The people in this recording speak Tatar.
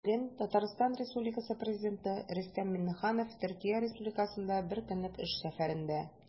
Бүген Татарстан Республикасы Президенты Рөстәм Миңнеханов Төркия Республикасында бер көнлек эш сәфәрендә.